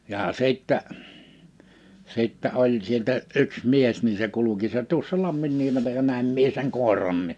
ja sitten sitten oli sieltä yksi mies niin se kulki se tuossa Lamminniemellä ja näin minä sen koirankin